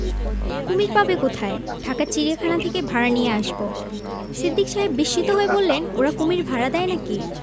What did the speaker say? কুমীর পাবে কোথায় ঢাকার চিড়িয়াখানা থেকে ভাড়া নিয়ে আসব সিদ্দিক সাহেব বিস্মিত হয়ে বললেন ওরা কুমীর ভাড়া দেয় না কি